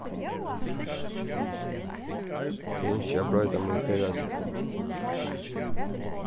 eg ynski at broyta mín ferðaseðil